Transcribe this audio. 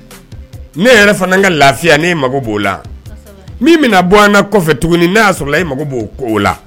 Ne yɛrɛ fana ka lafiya ne e mago b'o la min bɛna bɔ kɔfɛ tuguni n sɔrɔ e mako b o la